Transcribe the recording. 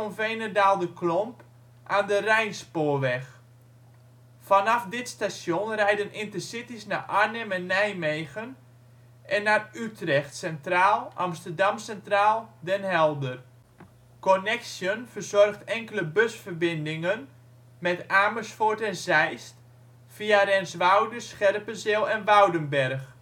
Veenendaal-De Klomp aan de Rhijnspoorweg. Vanaf dit station rijden Intercity 's naar Arnhem - Nijmegen en naar Utrecht Centraal - Amsterdam Centraal - Den Helder. Connexxion verzorgt directe busverbindingen met Amersfoort en Zeist (via Renswoude, Scherpenzeel en Woudenberg